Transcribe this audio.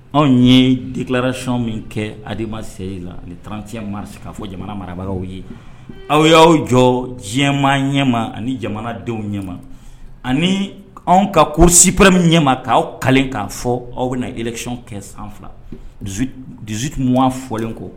Anw ye di tilaracɔn min kɛ hadi ma seyi la ni tranc mari se k'a fɔ jamana marabaa aw ye aw y'aw jɔ diɲɛma ɲɛma ani jamanadenw ɲɛma ani anw ka kurusipme ɲɛma k'aw ka k'a fɔ aw bɛ na ekic kɛ san fila dusu tunwan fɔlen kɔ